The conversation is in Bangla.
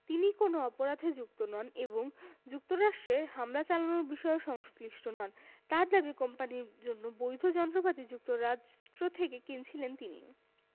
তিনি কোনো অপরাধে যুক্ত নন এবং যুক্তরাষ্ট্রে হামলা চালানোর বিষয়ে সংশ্লিষ্ট নন তাঁর দাবি কোম্পানির জন্য বৈধ যন্ত্রপাতি যুক্তরাষ্ট্র থেকে কিনেছিলেন তিনি